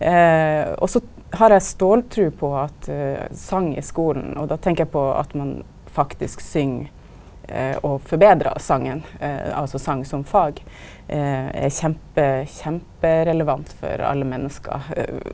og så har eg ståltru på at song i skulen, og då tenker eg på at ein faktisk syng og forbetrar songen altså song som fag er kjempe kjemperelevant for alle menneske .